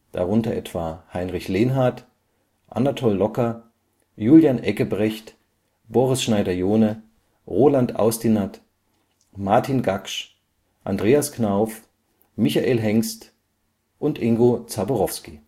darunter etwa Heinrich Lenhardt, Anatol Locker, Julian Eggebrecht, Boris Schneider-Johne, Roland Austinat, Martin Gaksch, Andreas Knauf, Michael Hengst, Julian Eggebrecht und Ingo Zaborowski